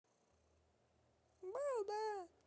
балда